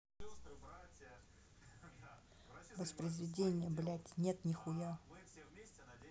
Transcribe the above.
воспроизведение блядь нет нихуя